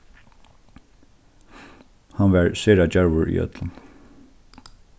hann var sera djarvur í øllum